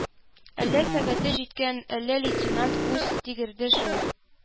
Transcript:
Әллә сәгате җиткән, әллә лейтенант күз тигерде, шул